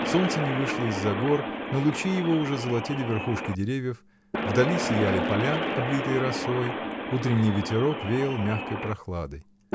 солнце не вышло из-за гор, но лучи его уже золотили верхушки деревьев, вдали сияли поля, облитые росой, утренний ветерок веял мягкой прохладой.